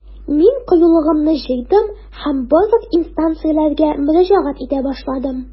Мин кыюлыгымны җыйдым һәм барлык инстанцияләргә мөрәҗәгать итә башладым.